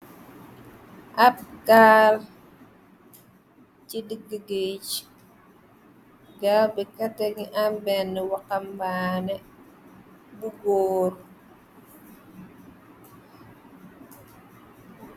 Ahb gaaal chi digi geudggh, gaal bii kaatah ngy am benue waxambaneh bu gorre.